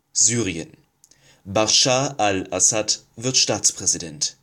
Syrien: Baschar al-Assad wird Staatspräsident